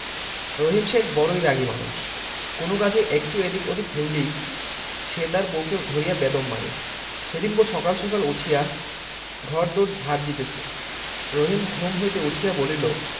রহিম শেখ বড়ই রাগী মানুষ কোনো কাজে একটু এদিক ওদিক হইলেই সে তার বউকে ধরিয়া বেদম মারে সেদিন বউ সকালে সকালে উঠিয়া ঘর দোর ঝাট দিতেছে রহিম ঘুম হইতে উঠিয়া বলিল